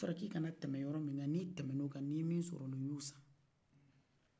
n'a fɔla i kana tɛmɛ yɔrɔ min nan n'i tɛmɛna o kan ni mi ye sɔr'o la i y'o san